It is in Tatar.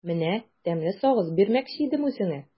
Менә тәмле сагыз бирмәкче идем үзеңә.